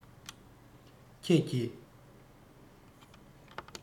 ཁྱེད ཀྱིས